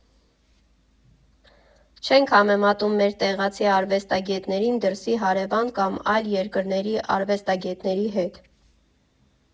Չենք համեմատում մեր տեղացի արվեստագետներին դրսի՝ հարևան կամ այլ երկրների արվեստագետների հետ։